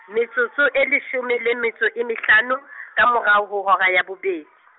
metsotso e leshome le metso e mehlano , ka morao ho hora ya bobedi.